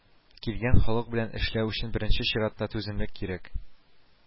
Килгән халык белән эшләү өчен беренче чиратта түземлек кирәк